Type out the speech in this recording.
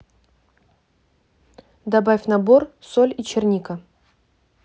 добавь набор соль и черника